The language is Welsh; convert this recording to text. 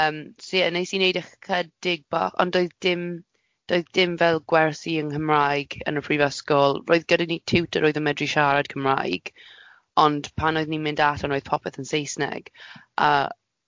Yym so ie wnes i wneud ychydig bach ond doedd dim doedd dim fel gwersi yng Nghymraeg yn y Prifysgol. Roedd gyda ni tiwtor oedd yn medru siarad Cymraeg, ond pan oeddwn i'n mynd allan roedd popeth yn Saesneg a so ie.